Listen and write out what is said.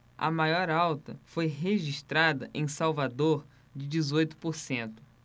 a maior alta foi registrada em salvador de dezoito por cento